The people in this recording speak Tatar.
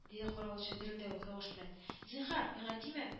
— диде каравылчы дерелдәвек тавыш белән — зинһар миңа тимә